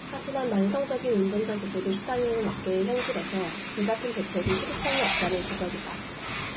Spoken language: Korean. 하지만 만성적인 운전자 부족에 시달리는 업계의 현실에서 이 같은 대책이 실효성이 없다는 지적이다